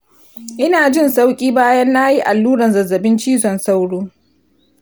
ina jin sauƙi bayan na yi allurar zazzabin cizon sauro.